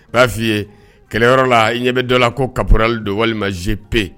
N b'a f'i kɛlɛyɔrɔ la i ɲɛ bɛ dɔ la ko caporal don walima GP